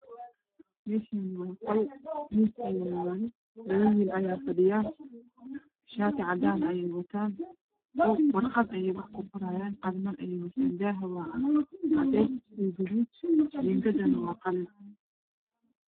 Meeshaan waa qol miis ayaa yaalo labo wiil ayaa fadhiyo. Shaati cadaan ah ayay wataan. Warqad ayay wax kuqorahayaan. Daaha waa cadeys iyo gaduud. Jiingadu waa qalin.